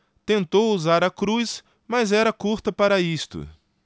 tentou usar a cruz mas era curta para isto